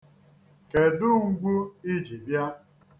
Kedu ngwu i ji bịa?